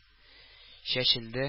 Чәчелде